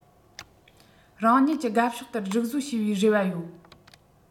རང ཉིད ཀྱི དགའ ཕྱོགས ལྟར སྒྲིག བཟོ བྱས པའི རེ བ ཡོད